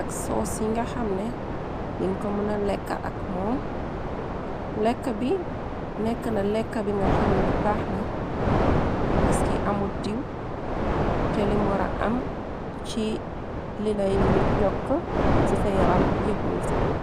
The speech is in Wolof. ak soo ci nga xamne diñ ko mëna lekk ak moom lekk bi nekk na lekk bi nga xamne baaxna paski amut diiw te li mora am ci lilay yokk ci sa yaram yépp mun cibir.